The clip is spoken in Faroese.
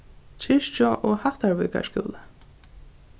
kirkju og hattarvíkar skúli